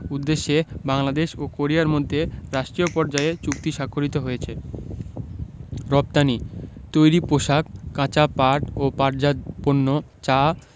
উদ্দেশ্যে বাংলাদেশ ও কোরিয়ার মধ্যে রাষ্ট্রীয় পর্যায়ে চুক্তি স্বাক্ষরিত হয়েছে রপ্তানিঃ তৈরি পোশাক কাঁচা পাট ও পাটজাত পণ্য চা